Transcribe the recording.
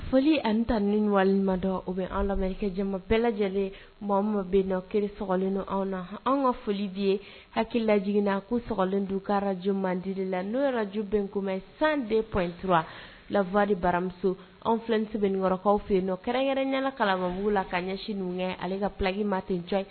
Foli ani ta ni ɲumanlima dɔn o bɛ an lamɛnkɛja bɛɛ lajɛlen mɔgɔ ma bɛ kelen slen anw na anw ka foli de ye hakilila jiginina ko slen dunkaraj mandi la n'o yɛrɛju bɛ kun san de pyti lawale baramuso anw filɛti bɛkaw fɛ yen nɔ kɛrɛnkɛrɛny kalabanbu la ka ɲɛsin ninnu kɛ ale ka pakimaa tencɛ ye